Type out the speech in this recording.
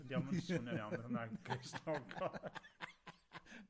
'Di o'm yn swnio'n iawn yn Gymra'g. Gristnogol!